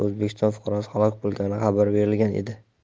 o'zbekiston fuqarosi halok bo'lgani xabar berilgan edi